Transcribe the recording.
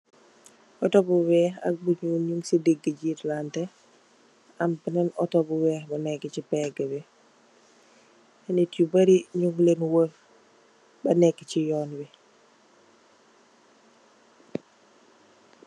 Auto bu weex ak bu nyul nung ci diggi jitluhante am benen auto bu weex bu nekke ci pegge bi ay nit yu bari nung leen woor ba nekke ci yoon wi.